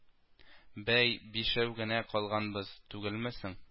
Бәй, бишәү генә калганбыз түгелме соң